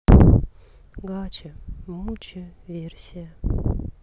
гачи мучи версия